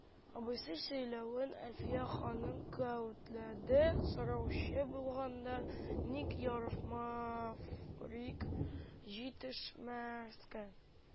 Абыйсы сөйләвен Әлфия ханым кәүтләде: «Сораучы булганда ник ярыфмафрик җитеш мәскә